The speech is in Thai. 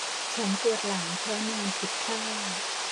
ฉันปวดหลังเพราะนอนผิดท่า